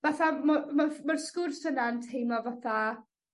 Fatha mo- mo'r ma'r sgwrs yn'n teimlo fatha